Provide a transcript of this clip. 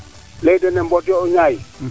leyidene mbond yo o ñaay